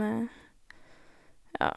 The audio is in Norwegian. Ja.